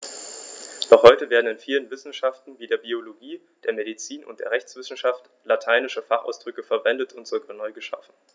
Noch heute werden in vielen Wissenschaften wie der Biologie, der Medizin und der Rechtswissenschaft lateinische Fachausdrücke verwendet und sogar neu geschaffen.